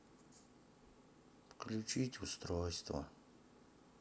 выключить устройство